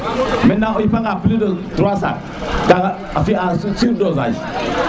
maintenant o yipa nga plus de trois sacs ka a fiya sur dosage